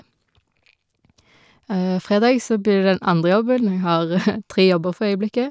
Fredag så blir det den andre jobben, jeg har tre jobber for øyeblikket.